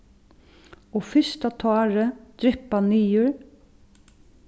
og fyrsta tárið dryppar niður